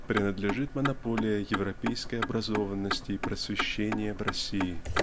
принадлежит монополия европейской образованности и просвещения в России